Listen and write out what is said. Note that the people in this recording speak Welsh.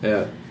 Ia.